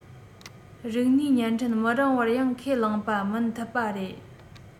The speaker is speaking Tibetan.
རིག ནུས བརྙན འཕྲིན མི རིང བར ཡང ཁས བླངས པ མིན ཐུབ པ རེད